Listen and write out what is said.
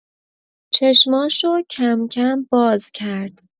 چشماشو کم‌کم باز کرد.